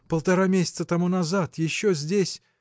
полтора месяца тому назад, еще здесь.